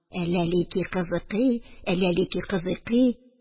Әләлики-кызыкый, әләлики-кызыкый